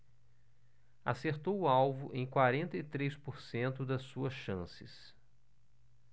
acertou o alvo em quarenta e três por cento das suas chances